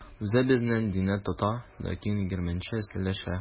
Үзе безнең динне тота, ләкин әрмәнчә сөйләшә.